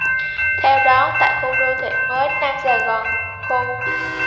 theo đó tại khu đô thị mới nam sài gòn khu